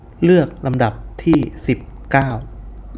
เลือกลำดับที่สิบเก้า